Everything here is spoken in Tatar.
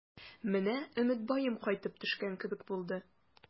Менә Өметбаем кайтып төшкән кебек булды.